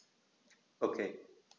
Okay.